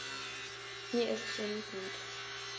Mir ist ungut.